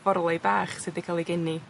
forloi bach sy 'di ca'l 'u geni.